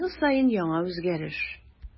Ел саен яңа үзгәреш.